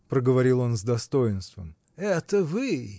-- проговорил он с достоинством, -- это вы?